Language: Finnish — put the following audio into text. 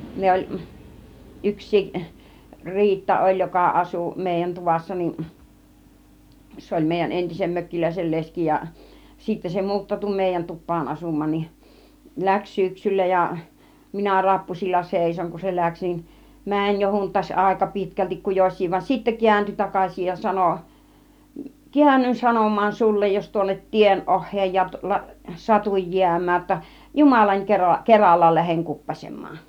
ne oli yksikin Riitta oli joka asui meidän tuvassa niin se oli meidän entisen mökkiläisen leski ja sitten se muuttautui meidän tupaan asumaan niin lähti syksyllä ja minä rappusilla seisoin kun se lähti niin meni jo hunttasi aika pitkälti kun juoksi vaan sitten kääntyi takaisin ja sanoi käännyin sanomaan sinulle jos tuonne tien oheen -- satun jäämään jotta jumalan - keralla lähden kuppasemaan